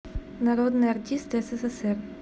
народные артисты ссср